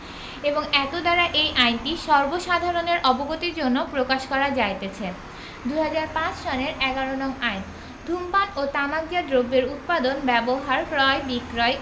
এবং এতদ্বারা এই আইনটি সর্বসাধারণের অবগতির জন্য প্রকাশ করা যাইতেছে ২০০৫ সনের ১১ নং আইন ধূমপান ও তামাকজাত দ্রব্যের উৎপাদন ব্যবহার ক্রয় বিক্রয়